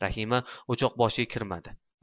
rahima o'choqboshiga kirmadi